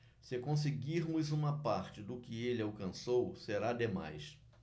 se conseguirmos uma parte do que ele alcançou será demais